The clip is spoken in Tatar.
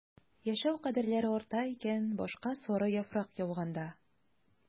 Яшәү кадерләре арта икән башка сары яфрак яуганда...